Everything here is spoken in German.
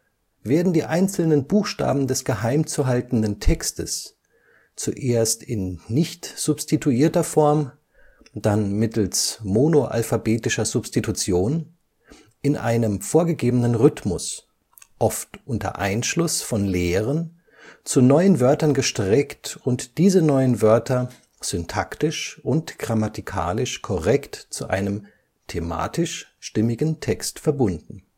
werden die einzelnen Buchstaben des geheimzuhaltenden Textes, zuerst in nicht substituierter Form, dann mittels monoalphabetischer Substitution, in einem vorgegebenen Rhythmus, oft unter Einschluss von Leeren, zu neuen Wörtern gestreckt, und diese neuen Wörter syntaktisch und grammatikalisch korrekt zu einem thematisch stimmigen Text verbunden